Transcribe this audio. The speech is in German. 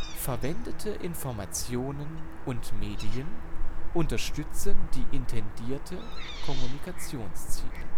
verwendete Informationen / Medien unterstützen die intendierten Kommunikationsziele